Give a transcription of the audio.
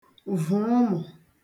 vụ̀ ụmụ̀